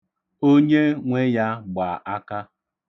Onye nwe ya gba aka.